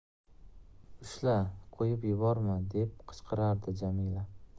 ushla qo'yib yuborma deb qichqirardi jamila